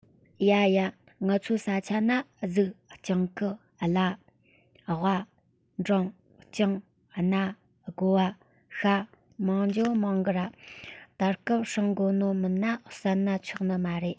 ཡ ཡ ངུ ཚོའི ས ཆ ན གཟིག སྦྱང ཀི གླ ཝ འབྲོང རྐྱང གནའ དགོ བ ཤྭ མང རྒྱུའོ མང གི ར ད སྐབས སྲུང དགོ ནོ མིན ན བསད ན ཆོག ནི མ རེད